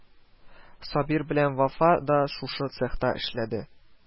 Сабир белән Вафа да шушы цехта эшләде